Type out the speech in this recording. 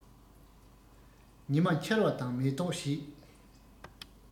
ཉི མ འཆར བ དང མེ ཏོག བཞད